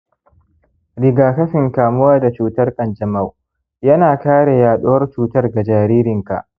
rigakafin kamuwa da cutar kanjamau yana kare yaduwar cutar ga jaririnki